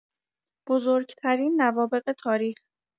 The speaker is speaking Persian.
بزرگ‌ترین نوابغ تاریخ